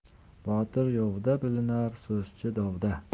botir yovda bilinar so'zchi dovda